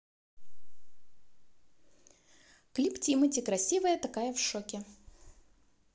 клип тимати красивая такая в шоке